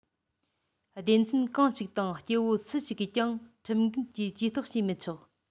སྡེ ཚན གང ཞིག དང སྐྱེ བོ སུ ཞིག གིས ཀྱང ཁྲིམས འགལ གྱིས ཇུས གཏོགས བྱས མི ཆོག